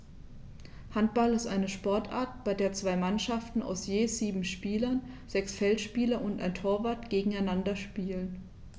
Handball ist eine Sportart, bei der zwei Mannschaften aus je sieben Spielern (sechs Feldspieler und ein Torwart) gegeneinander spielen.